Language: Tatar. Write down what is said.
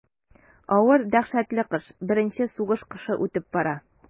Авыр дәһшәтле кыш, беренче сугыш кышы үтеп бара.